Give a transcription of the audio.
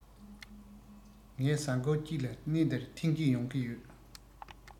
ངས གཟའ མཁོར ཅིག ལ གནས འདིར ཐེང ཅིག ཡོང གི ཡོད